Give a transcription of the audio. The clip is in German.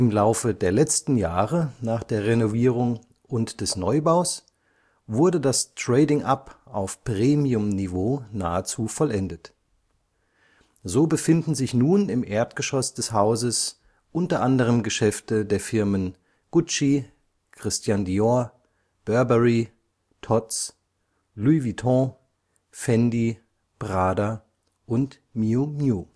Laufe der letzten Jahre nach der Renovierung und des Neubaus wurde das Trading-up auf Premiumniveau nahezu vollendet. So befinden sich nun im Erdgeschoss des Hauses unter anderem Geschäfte der Firmen Gucci, Christian Dior, Burberry, Tod 's, Louis Vuitton, Fendi, Prada und miu miu